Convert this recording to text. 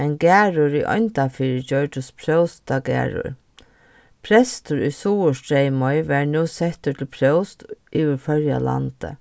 men garður í oyndarfirði gjørdist próstagarður prestur í suðurstreymoy varð nú settur til próst yvir føroyalandi